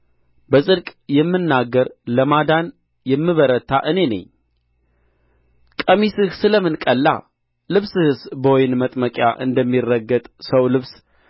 በጽድቅ የምናገር ለማዳንም የምበረታ እኔ ነኝ ቀሚስህ ስለ ምን ቀላ ልብስህስ በወይን መጥመቂያ እንደሚረግጥ ሰው ልብስ